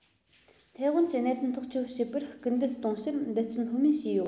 ཐའེ ཝན གྱི གནད དོན ཐག གཅོད བྱེད པར སྐུལ འདེད གཏོང ཕྱིར འབད བརྩོན ལྷོད མེད བྱས ཡོད